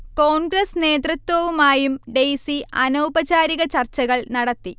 കോൺഗ്രസ് നേതൃത്വവുമായും ഡെയ്സി അനൗപചാരിക ചർച്ചകൾ നടത്തി